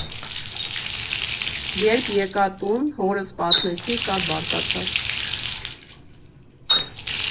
Երբ եկա տուն, հորս պատմեցի, շատ բարկացավ։